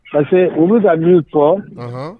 Parce que olu ka'i tɔn